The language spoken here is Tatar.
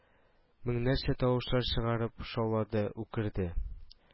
Меңнәрчә тавышлар чыгарып шаулады, үкерде